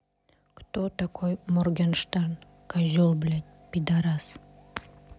кто такой morgenshtern козел блядь пидарас